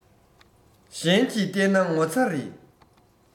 གཞན གྱིས བལྟས ན ངོ ཚ རེད